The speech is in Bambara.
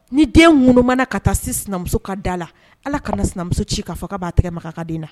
Ni den ŋunumana ka taa se sinamuso ka da la Ala kana sinamuso ci k'a fɔ ka b'a tɛgɛ maga ka den na